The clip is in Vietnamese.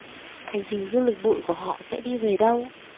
hành trình du lịch bụi của họ sẽ đi về đâu